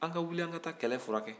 an ka wuli an ka taa kɛlɛ furakɛ